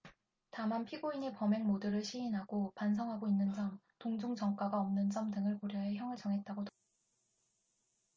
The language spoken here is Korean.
다만 피고인이 범행 모두를 시인하고 반성하고 있는 점 동종 전과가 없는 점 등을 고려해 형을 정했다고 덧붙였다